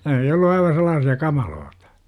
ne oli ollut aivan sellaisia kamalia